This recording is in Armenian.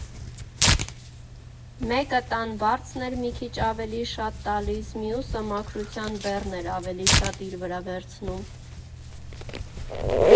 Մեկը տան վարձն էր մի քիչ ավելի շատ տալիս, մյուսը մաքրության բեռն էր ավելի շատ իր վրա վերցնում։